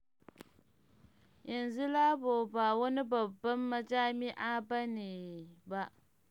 Yanzu Labour ba wani babban majami’a ne ba.